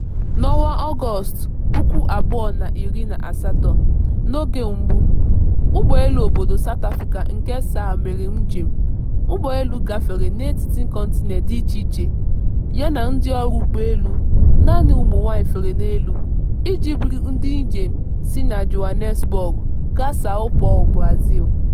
N'ọnwa Ọgọst 2018, n'oge mbụ ụgbọelu obodo South Africa nke SAA mere njem, ụgbọelu gafere n'etiti kọntinent dị icheiche ya na ndịọrụ ụgbọelu naanị ụmụnwaanyị fere n'elu iji buru ndị njem si Johannesburg gaa Sao Paulo, Brazil.